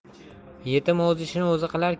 yetim o'z ishini o'zi